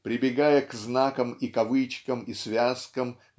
прибегая к знакам и кавычкам и связкам